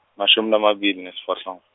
mashumi lamabili nesiphohlongo.